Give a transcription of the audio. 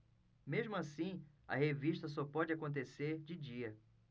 mesmo assim a revista só pode acontecer de dia